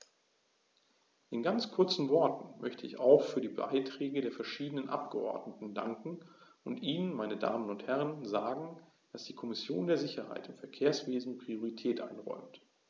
In ganz kurzen Worten möchte ich auch für die Beiträge der verschiedenen Abgeordneten danken und Ihnen, meine Damen und Herren, sagen, dass die Kommission der Sicherheit im Verkehrswesen Priorität einräumt.